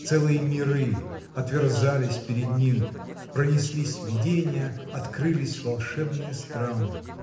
Целые миры отверзались перед ним, понеслись видения, открылись волшебные страны.